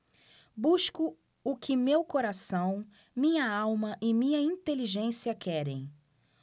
busco o que meu coração minha alma e minha inteligência querem